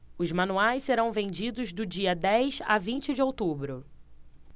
os manuais serão vendidos do dia dez a vinte de outubro